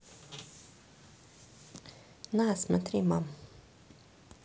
на смотри мам